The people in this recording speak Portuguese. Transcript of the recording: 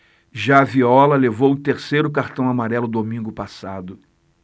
já viola levou o terceiro cartão amarelo domingo passado